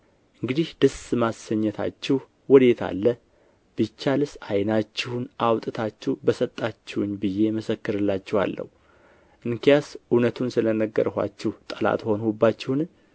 እንግዲህ ደስ ማሰኘታችሁ ወዴት አለ ቢቻልስ ዓይኖቻችሁን አውጥታችሁ በሰጣችሁኝ ብዬ እመሰክርላችኋለሁ እንኪያስ እውነቱን ስለ ነገርኋችሁ ጠላት ሆንሁባችሁን